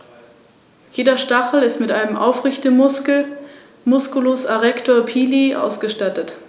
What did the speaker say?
Das „Land der offenen Fernen“, wie die Rhön auch genannt wird, soll als Lebensraum für Mensch und Natur erhalten werden.